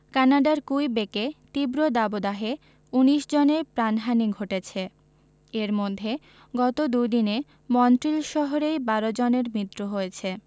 কানাডার কুইবেকে তীব্র দাবদাহে ১৯ জনের প্রাণহানি ঘটেছে এর মধ্যে গত দুদিনে মন্ট্রিল শহরেই ১২ জনের মৃত্যু হয়েছে